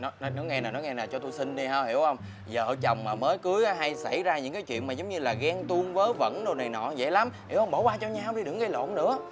nói nghe nè nói nghe nè cho tui xin đi ha hiểu không giờ vợ chồng mà mới cưới hay xảy ra những cái chuyện mà giống như là ghen tuông vớ vẩn này nọ dễ lắm hiểu không bỏ qua cho anh nha thôi đừng có gây lộn nữa